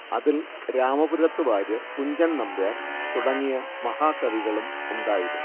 അതിൽ രാമപുരത്തു വാര്യർ കുഞ്ചൻ നമ്പ്യാർ തുടങ്ങിയ മഹാകവികളും ഉണ്ടായിരുന്നു